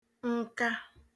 nka